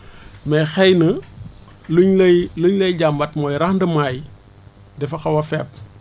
mais xëy na lu ñu lay li ñu lay jàmbat mooy rendements yi dafa xaw a faibles